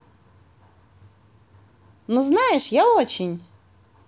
ну знаешь я очень